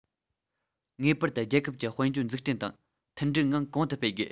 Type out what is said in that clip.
ངེས པར དུ རྒྱལ ཁབ ཀྱི དཔལ འབྱོར འཛུགས སྐྲུན དང མཐུན འགྲིག ངང གོང དུ སྤེལ དགོས